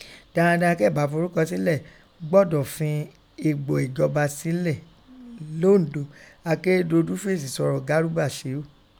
Darandaran kéè bá fọrúkọ sílẹ̀ gbọ́dọ̀ fin egbó ẹ̀jọba sílẹ̀ lOndo, Akeredolu fèsì sọ́rọ̀ Garuba Ṣehu